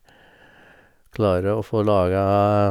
Klare å få laga...